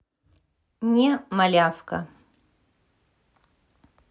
не малявка